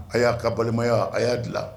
A ya ka balimaya ,a ya dilan.